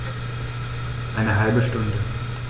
Eine halbe Stunde